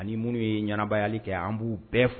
Ani minnu ye ɲɛnaanabaayali kɛ an b'u bɛɛ